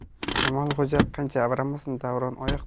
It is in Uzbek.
kamolxo'ja qancha avramasin davron